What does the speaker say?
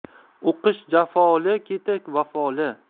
o'qish jafoli keti vafoli